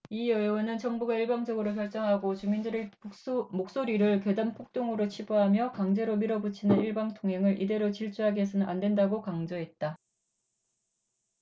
이 의원은 정부가 일방적으로 결정하고 주민들의 목소리를 괴담 폭동으로 치부하며 강제로 밀어붙이는 일방통행을 이대로 질주하게 해서는 안 된다고 강조했다